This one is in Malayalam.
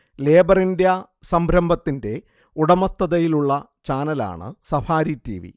ലേബർ ഇന്ത്യ സംരംഭത്തിന്റെ ഉടമസ്ഥതയിലുള്ള ചാനലാണ് സഫാരി ടിവി